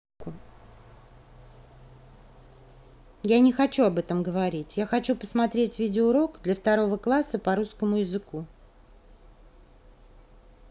я не хочу об этом говорить я хочу посмотреть видеоурок для второго класса по русскому языку